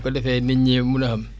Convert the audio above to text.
su ko defee nit ñi mun a xam